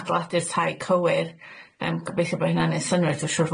adeiladu'r tai cywir yym gobeithio bo' hynna'n neud synnwyr dwi'n siŵr